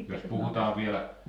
jos puhutaan vielä